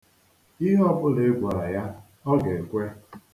Ihe ọbụla ị gwara ya, ọ ga-ekwe.